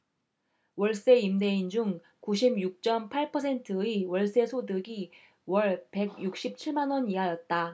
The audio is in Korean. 월세 임대인 중 구십 육 쩜 팔 퍼센트의 월세소득이 월 백 육십 칠 만원 이하였다